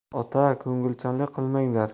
ota ko'ngilchanglik qilmanglar